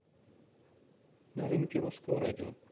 новинки русского радио